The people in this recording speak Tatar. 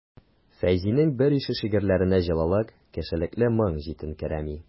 Фәйзинең берише шигырьләренә җылылык, кешелекле моң җитенкерәми.